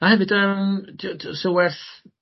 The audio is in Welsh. A hefyd yym dio- dio- 'sa werth